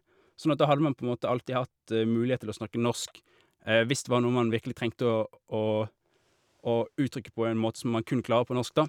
Sånn at da hadde man på en måte alltid hatt mulighet til å snakke norsk hvis det var noe man virkelig trengte å å å uttrykke på en måte som man kun klarer på norsk, da.